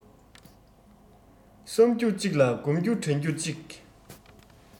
བསམ རྒྱུ གཅིག ལ བསྒོམ རྒྱུ དྲན རྒྱུ གཅིག